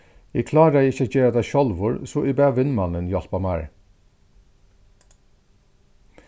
eg kláraði ikki at gera tað sjálvur so eg bað vinmannin hjálpa mær